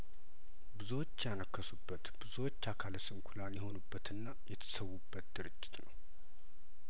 ብዙዎች ያነከሱበት ብዙዎች አካለስንኩላን የሆኑበትና የተሰዉበት ድርጅት ነው